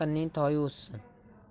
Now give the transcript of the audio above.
yaqinning toyi o'zsin